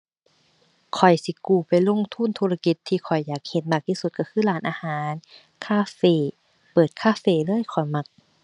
ข้อยสิกู้ไปลงทุนธุรกิจที่ข้อยอยากเฮ็ดมากที่สุดก็คือ ร้านอาหาร คาเฟ เปิดคาเฟเลย ข้อยมัก